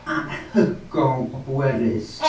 Anhygoel o bwerus.